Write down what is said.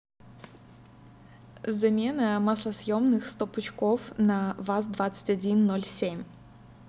замена маслосьемных сто пучков на ваз двадцать один ноль семь